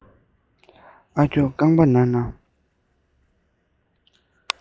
ཨ སྐྱོ རྐང པ ན ན